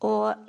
o